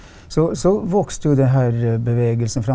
så så vokste jo denne her bevegelsen fram.